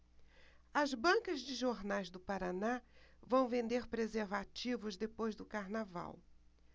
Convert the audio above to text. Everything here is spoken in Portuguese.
as bancas de jornais do paraná vão vender preservativos depois do carnaval